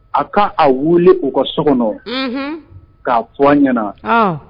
A ka a wuli u ka so kɔnɔ k'a fɔ an ɲɛnaana